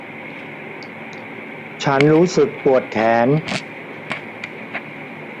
ฉันรู้สึกปวดแขน